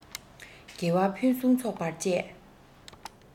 དགེ བ ཕུན སུམ ཚོགས པར སྤྱད